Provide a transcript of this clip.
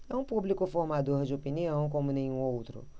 é um público formador de opinião como nenhum outro